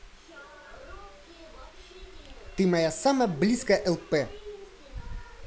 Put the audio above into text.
ты моя самая близкая лп